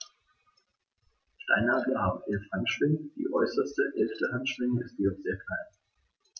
Steinadler haben 11 Handschwingen, die äußerste (11.) Handschwinge ist jedoch sehr klein.